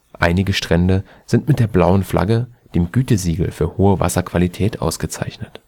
Einige Strände sind mit der Blauen Flagge, dem Gütesiegel für hohe Wasserqualität, ausgezeichnet